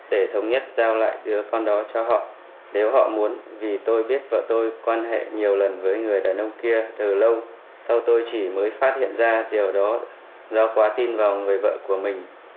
để thống nhất giao lại đứa con đó cho họ nếu họ muốn vì tôi biết vợ tôi quan hệ nhiều lần với người đàn ông kia từ lâu tôi tôi chỉ mới phát hiện ra điều đó do quá tin vào người vợ của mình